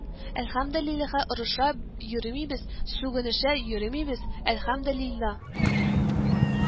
Әлхәмделилла, орыша йөремибез, сүгенешә йөремибез, әлхәмделилла